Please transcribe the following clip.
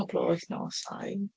Cwpl o wythnosau.